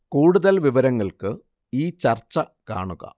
കൂടുതൽ വിവരങ്ങൾക്ക് ഈ ചർച്ച കാണുക